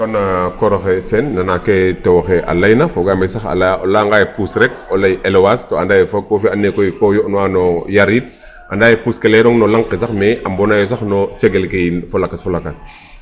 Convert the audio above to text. kon o koor oxe Séne nana ke tew oxe a layna foogaam ee sax a laya, o layanga yee puus rek o lay élevage so anda ye fok wo fe andoona yee koy koo yo'nowaa no yar it anda ye puus ke layirong no lanq ke sax mais a mbonaayo sax no cegel ke yiin fo lakas fo lakas.